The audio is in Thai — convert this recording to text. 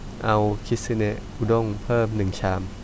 เอาคิสึเนะอุด้งเพิ่มหนึ่งชาม